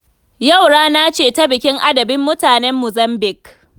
Yau rana ce ta bikin adabin mutanen Mozambic.